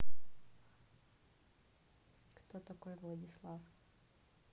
кто такой владислав